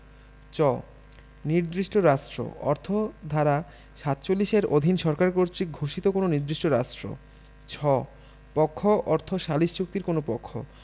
চ নির্দিষ্ট রাষ্ট্র অর্থ ধারা ৪৭ এর অধীন সরকার কর্তৃক ঘোষিত কোন নির্দিষ্ট রাষ্ট্র ছ পক্ষ অর্থ সালিস চুক্তির কোন পক্ষ